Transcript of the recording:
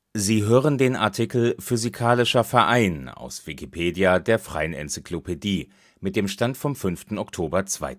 Sie hören den Artikel Physikalischer Verein, aus Wikipedia, der freien Enzyklopädie. Mit dem Stand vom Der